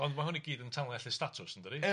Ond ma' hwn i gyd yn tanlinellu statws yndydi?